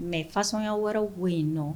Mais façon ya wɛrɛ dɔw bɛ yen nɔ.